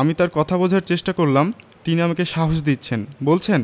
আমি তার কথা বোঝার চেষ্টা করলাম তিনি আমাকে সাহস দিচ্ছেন বলছেন